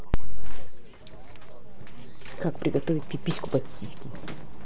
как приготовить пипиську под сиськи